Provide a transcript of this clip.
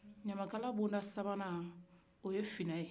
ɲamakala bonda sabanan ye funɛ ye